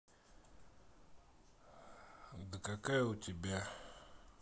да какая у тебя